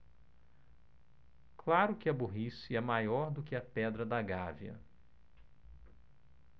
claro que a burrice é maior do que a pedra da gávea